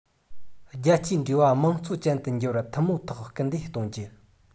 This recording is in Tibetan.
རྒྱལ སྤྱིའི འབྲེལ བ དམངས གཙོ ཅན དུ འགྱུར བར ཐུན མོང ཐོག སྐུལ སྤེལ གཏོང རྒྱུ